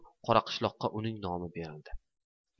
qoraqishloqqa uning nomi berildi